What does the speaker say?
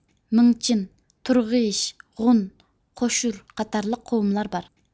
مىڭچىن تۇرغىيىش غۇن قوشۇر قاتارلىق قوۋملار بار